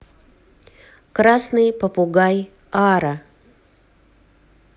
красный попугай ара